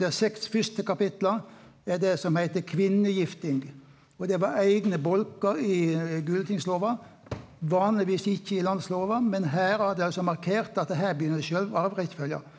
dei seks fyrste kapitla er det som som heiter kvinnegifting og det var eigne bolkar i Gulatingslova vanlegvis ikkje i Landslova, men her har dei altså markert at her begynner sjølve arverekkjefølgja.